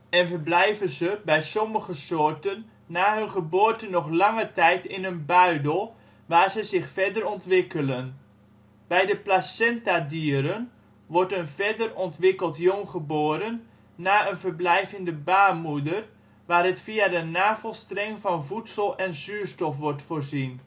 en verblijven ze (bij sommige soorten) na hun geboorte nog lange tijd in een buidel, waar zij zich verder ontwikkelen. Bij de placentadieren (Placentalia) wordt een verder ontwikkeld jong geboren na een verblijf in de baarmoeder, waar het via de navelstreng van voedsel en zuurstof wordt voorzien